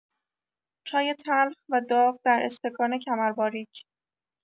چای تلخ و داغ در استکان کمر باریک